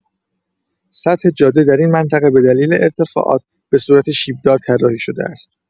سطح جاده در این منطقه به دلیل ارتفاعات، به صورت شیب‌دار طراحی شده است.